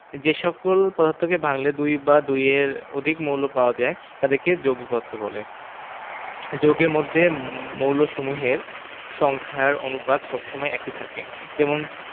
যে সকল পদার্থকে ভাঙলে দুই বা দুইয়ের অধিক মৌল পাওয়া যায় তাদেরকে যৌগিক পদার্থ বলে যৌগের মধ্যে মৌলসমূহের সংখ্যার অনুপাত সব সময় একই থাকে যেমন